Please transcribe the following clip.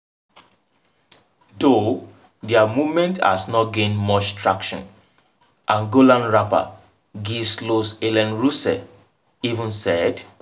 Though their movement has not gained much traction, Angolan rapper Gil Slows Allen Russel even said: